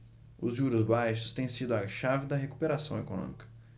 os juros baixos têm sido a chave da recuperação econômica